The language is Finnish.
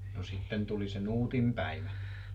no sitten tuli se Nuutin päivä